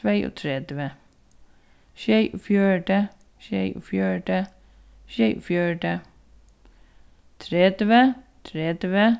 tveyogtretivu sjeyogfjøruti sjeyogfjøruti sjeyogfjøruti tretivu tretivu